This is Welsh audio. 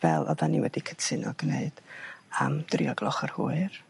fel oddan ni wedi cytuno gneud am dri o gloch yr hwyr.